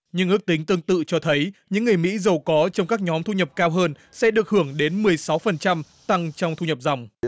nhưng ước tính tương tự cho thấy những người mỹ giàu có trong các nhóm thu nhập cao hơn sẽ được hưởng đến mười sáu phần trăm tăng trong thu nhập dòng